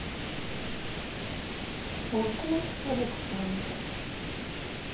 сямко александр